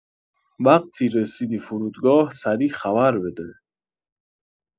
وقتی رسیدی فرودگاه سریع خبر بده